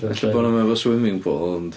Ella bod nhw'm hefo swimming pool ond...